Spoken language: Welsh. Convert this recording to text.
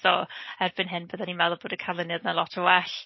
So erbyn hyn bydden i'n meddwl bod y canlyniad 'na lot yn well.